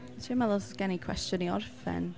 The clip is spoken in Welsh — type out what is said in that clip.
Trio meddwl os oes gen i cwestiwn i orffen.